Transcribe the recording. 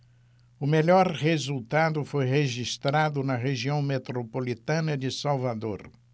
o melhor resultado foi registrado na região metropolitana de salvador